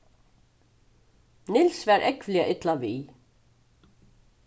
niels var ógvuliga illa við